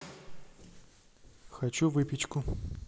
хочу выпечку